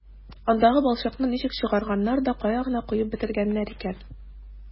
Андагы балчыкны ничек чыгарганнар да кая гына куеп бетергәннәр икән...